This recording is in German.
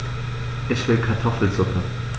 Ich will Kartoffelsuppe.